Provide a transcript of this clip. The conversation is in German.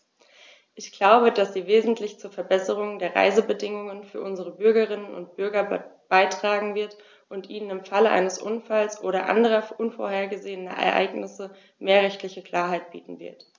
Ich glaube, dass sie wesentlich zur Verbesserung der Reisebedingungen für unsere Bürgerinnen und Bürger beitragen wird, und ihnen im Falle eines Unfalls oder anderer unvorhergesehener Ereignisse mehr rechtliche Klarheit bieten wird.